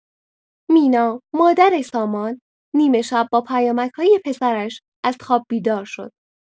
مینا، مادر سامان، نیمه‌شب با پیامک‌های پسرش از خواب بیدار شد.